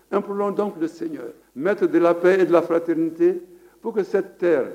Ep dɔn tunsen mɛ to de lap e lafaratiinite po que se tɛ yɛrɛ